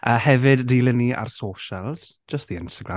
A hefyd, dilyn ni ar socials, just the Instagram.